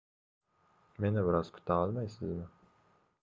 meni biroz kutaolmaysizmi